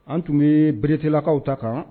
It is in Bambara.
An tun bɛ bereeretelakaw ta kan